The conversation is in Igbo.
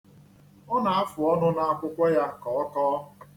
Ọ na-afụ ọnụ n'akwụkwọ ya ka ọ kọọ.